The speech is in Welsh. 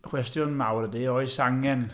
Cwestiwn mawr ydy oes angen...